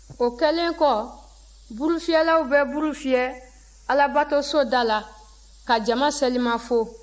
o kɛlen kɔ burufyɛlaw bɛ buru fiyɛ alabatoso da la ka jama selimafo